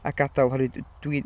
a gadael... Oherwydd dw- dwi...